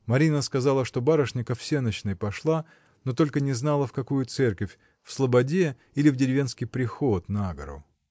Марина сказала, что барышня ко всенощной пошла, но только не знала, в какую церковь, в слободе или в деревенский приход, на гору.